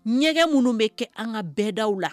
Ɲɛgɛn munnu be kɛ an ŋa bɛɛdaw la